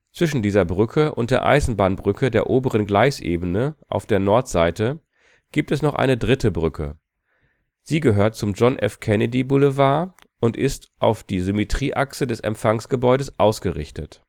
Zwischen dieser Brücke und der Eisenbahnbrücke der oberen Gleisebene auf der Nordseite gibt es noch eine dritte Brücke. Sie gehört zum John F. Kennedy Boulevard und ist auf die Symmetrieachse des Empfangsgebäudes ausgerichtet